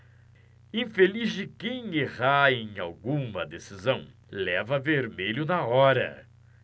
infeliz de quem errar em alguma decisão leva vermelho na hora